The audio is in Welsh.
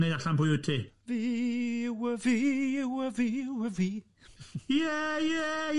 Vy yw y V, yw y V, yw y V. Ie, ie, ie!